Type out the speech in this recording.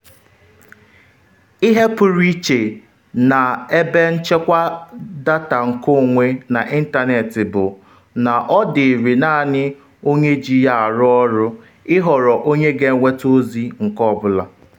Ihe pụrụ iche na ebe nchekwa data nkeonwe n’ịntanetị bụ na ọ dịịrị naanị onye ji ya arụ ọrụ ịhọrọ onye ga-enweta ozi nke ọ bụla.